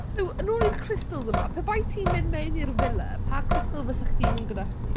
So, yn ôl i'r crystals yma. Pe bai ti'n mynd mewn i'r villa, pa crystal fysech chdi'n mynd gyda chdi?